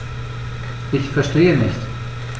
Ich verstehe nicht.